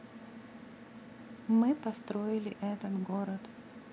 мы построили этот город